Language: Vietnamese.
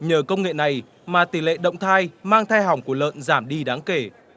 nhờ công nghệ này mà tỷ lệ động thai mang thai hỏng của lợn giảm đi đáng kể